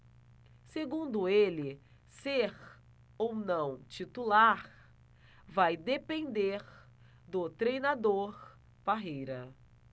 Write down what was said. segundo ele ser ou não titular vai depender do treinador parreira